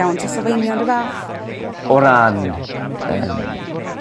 iawn tasa fo union 'r un fath. O ran yym